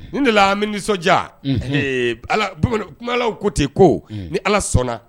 Ne de la ni nisɔndiya kuma ko ten ko ni ala sɔnna